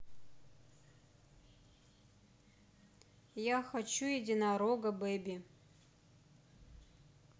я хочу единорога беби